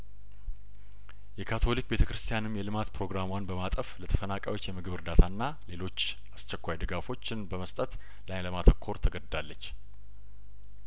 የካቶሊክ ቤተ ክርስትያንም የልማት ፕሮ ግራሟን በማጠፍ ለተፈናቃዮች የምግብ እርዳታና ሌሎች አስቸኳይ ድጋፎችን በመስጠት ላይ ለማተኮር ተገድዳለች